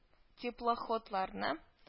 Теплоходларны